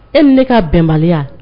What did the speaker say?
E ne ka bɛnbali